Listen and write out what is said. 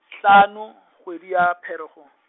hlano, kgwedi ya Pherekgong .